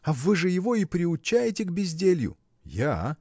а вы же его и приучаете к безделью. – Я?